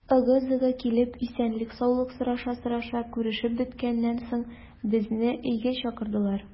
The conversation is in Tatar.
Ыгы-зыгы килеп, исәнлек-саулык сораша-сораша күрешеп беткәннән соң, безне өйгә чакырдылар.